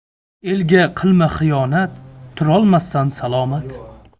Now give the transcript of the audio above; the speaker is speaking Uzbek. elga qilma xiyonat turolmassan salomat